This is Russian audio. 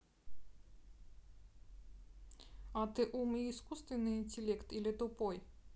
а ты ум и искусственный интеллект или тупой